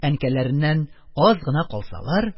Әнкәләреннән аз гына калсалар,